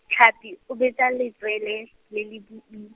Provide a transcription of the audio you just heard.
Tlhapi o betsa letswele, le le boi-.